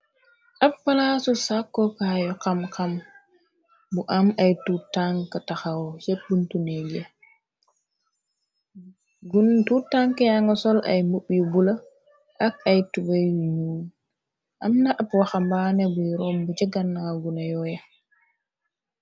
ab palaasu sàkkokaayu xam-xam bu am ay tutank taxaw seppntune gi gun tutank yanga sol ay mub yu bula ak ay tube yunu amna ab waxambaane buy rom bu jëganna guna yooya